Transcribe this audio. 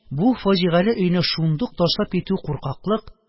Бу фаҗигале өйне шундук ташлап китү куркаклык,